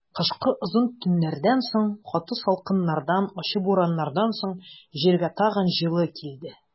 Кышкы озын төннәрдән соң, каты салкыннардан, ачы бураннардан соң җиргә тагын җылы килде.